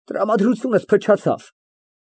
Տրամադրությունս փչացավ։